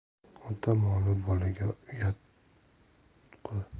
ota moli bolaga uyutqi